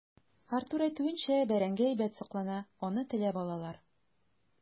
Артур әйтүенчә, бәрәңге әйбәт саклана, аны теләп алалар.